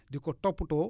di ko toppatoo